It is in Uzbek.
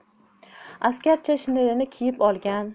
askarcha shinelini kiyib olgan